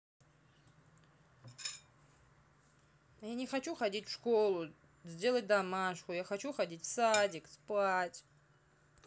я не хочу ходить в школу сделать домашку я хочу сходить в садик спать